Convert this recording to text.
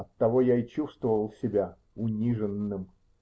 Оттого я и чувствовал себя униженным.